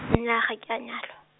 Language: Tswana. nnyaa ga ke a nyalwa.